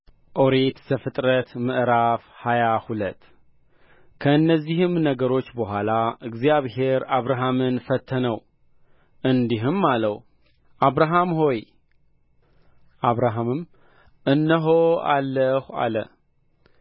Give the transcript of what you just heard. ኦሪት ዘፍጥረት ምዕራፍ ሃያ ሁለት ከእነዚህም ነገሮች በኋላ እግዚአብሔር አብርሃምን ፈተነው እንዲህም አለው አብርሃም ሆይ አብርሃምም እነሆ አለሁ አለ